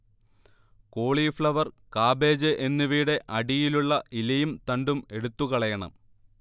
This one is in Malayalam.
കോളിഫ്ളവർ, കാബേജ് എന്നിവയുടെ അടിയിലുള്ള ഇലയും തണ്ടും എടുത്തുകളയണം